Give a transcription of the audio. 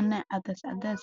cimaamado